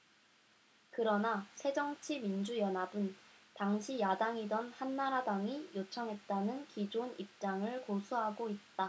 그러나 새정치민주연합은 당시 야당이던 한나라당이 요청했다는 기존 입장을 고수하고 있다